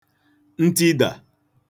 ntidà